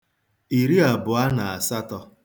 ìriàbụ̀ọ nà àsatọ̄